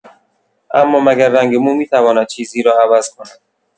اما مگر رنگ مو می‌تواند چیزی را عوض کند؟